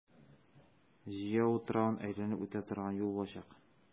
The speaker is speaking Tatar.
Зөя утравын әйләнеп үтә торган юл булачак.